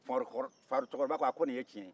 farocɛkɔrɔba ko nin ye tiɲɛ